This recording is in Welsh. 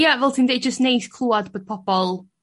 ia fel ti'n deu' jyst neis clwad bod pobol